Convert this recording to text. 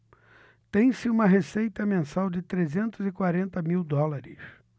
tem-se uma receita mensal de trezentos e quarenta mil dólares